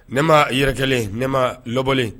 Ne ma yɛrɛ kɛlen ne ma labɔlen